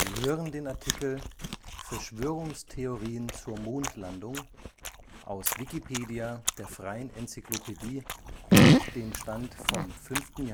hören den Artikel Verschwörungstheorien zur Mondlandung, aus Wikipedia, der freien Enzyklopädie. Mit dem Stand vom Der